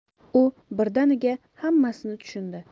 u birdaniga hammasini tushundi